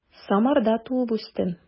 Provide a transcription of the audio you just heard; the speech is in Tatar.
Самарда туып үстем.